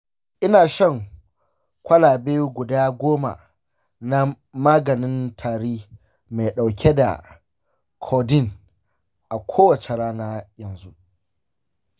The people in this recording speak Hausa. ina shan kwalabe guda goma na maganin tari mai dauke da codeine a kowace rana yanzu.